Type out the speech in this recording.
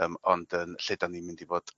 Yym ond yn lle 'dan ni'n mynd i fod